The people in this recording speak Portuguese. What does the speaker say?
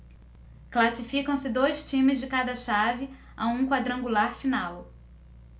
classificam-se dois times de cada chave a um quadrangular final